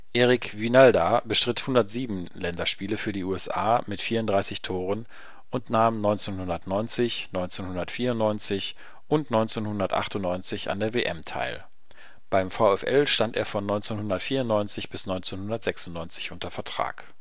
Eric Wynalda bestritt 107 Länderspiele für die USA (34 Tore), und nahm 1990, 1994 und 1998 an der WM teil. Beim VfL stand er von 1994 bis 1996 unter Vertrag